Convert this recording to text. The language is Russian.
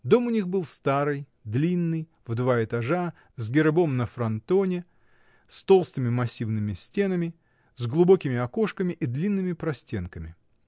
Дом у них был старый, длинный, в два этажа, с гербом на фронтоне, с толстыми, массивными стенами, с глубокими окошками и длинными простенками.